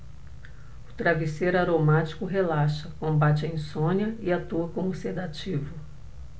o travesseiro aromático relaxa combate a insônia e atua como sedativo